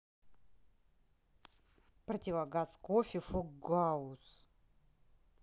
противогаз coffee for guys